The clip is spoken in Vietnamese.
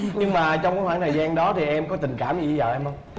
nhưng mà trong cái khoảng thời gian đó thì em có tình cảm gì dới dợ em hông